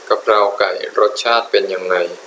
กะเพราไก่รสชาติเป็นยังไง